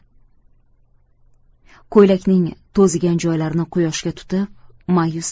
ko'ylakning to'zigan joylarini quyoshga tutib ma'yus